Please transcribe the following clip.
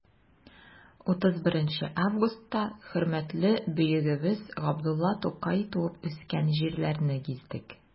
31 августта хөрмәтле бөегебез габдулла тукай туып үскән җирләрне гиздек.